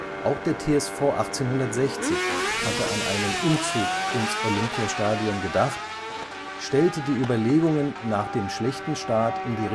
Auch der TSV 1860 hatte an einen Umzug ins Olympiastadion gedacht, stellte die Überlegungen nach dem schlechten Start in die